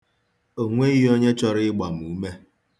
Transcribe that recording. O nweghị onye chọrọ ịgba m ume.